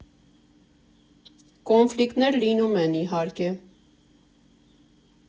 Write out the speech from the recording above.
Կոնֆլիկտներ լինում են, իհարկե։